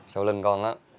sau lưng con á